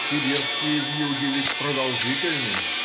Сибирские вьюги ведь продолжительны.